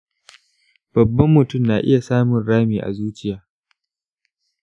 babban mutum na iya samun rami a zuciya?